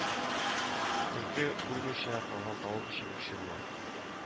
Төлке булмыйча калган тавык җиңүче була